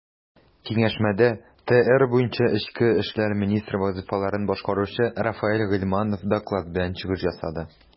Киңәшмәдә ТР буенча эчке эшләр министры вазыйфаларын башкаручы Рафаэль Гыйльманов доклад белән чыгыш ясады.